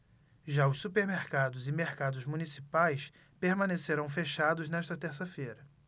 já os supermercados e mercados municipais permanecerão fechados nesta terça-feira